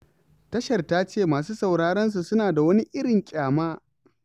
Tashar ta ce masu sauraron su suna da "wani irin ƙyama"